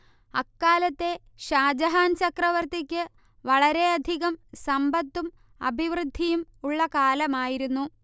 അക്കാലത്തെ ഷാജഹാൻ ചക്രവർത്തിക്ക് വളരെയധികം സമ്പത്തും അഭിവൃദ്ധിയും ഉള്ള കാലമായിരുന്നു